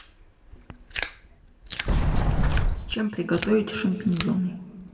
с чем приготовить шампиньоны